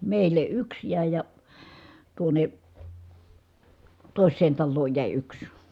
meille yksi jäi ja tuonne toiseen taloon jäi yksi